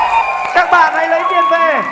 các bạn hãy lấy tiền về